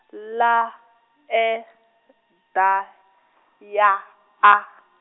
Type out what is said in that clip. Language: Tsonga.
L E D Y A.